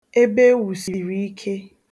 ebewùsìrìike